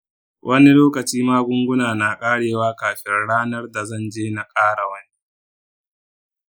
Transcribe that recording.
wani lokaci magunguna na ƙarewa kafin ranar da zan je na ƙara wani.